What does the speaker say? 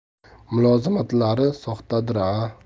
mulozamatlari soxtadir a